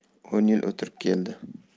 o'n yil o'tirib keldi